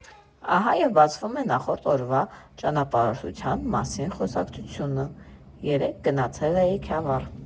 ֊ ահա և բացվում է նախորդ օրվա ճանապարհորդության մասին խոսակցությունը, ֊ երեկ գնացել էի Քյավառ…